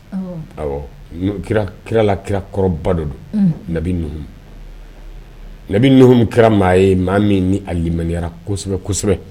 Kirala kira kɔrɔba dɔ numu numu kɛra maa ye maa min nilimayarasɛbɛ